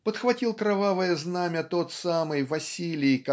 Подхватил кровавое знамя тот самый Василий